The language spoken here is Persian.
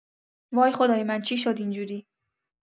وای خدای من چی شد اینجوری؟